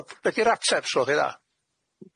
Ond be' di'r apseps o hynna?